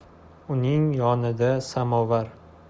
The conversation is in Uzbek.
uning yonida samovar